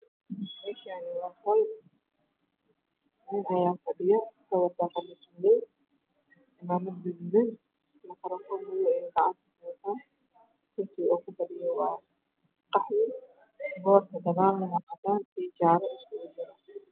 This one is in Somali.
Meeshaani waa qol nin ayaa fadhiyo waxuu wataa qamiis madow iyo cimaamad gaduudan iyo gaarafo madow ayuu gacanta ku wataan kursi uu kufadhiyo waa qaxwi boorka gadaalna waa cadaan iyo jaalo isku jira.